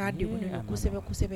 Denwsɛbɛ